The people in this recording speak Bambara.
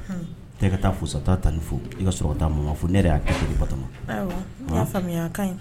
Ka taasata tan ni fo i kata fɔ ne yɛrɛ y'a kɛ ba